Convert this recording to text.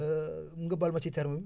nga baal ma ci terme